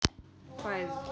fight